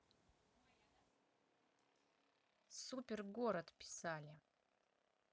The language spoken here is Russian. супер город писали